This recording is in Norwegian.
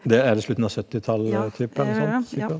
det er det slutten av syttitallet typ eller noe sånt cirka?